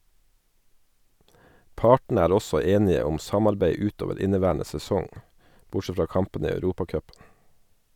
Partene er også enige om samarbeid ut over inneværende sesong, bortsett fra kampene i europacupen.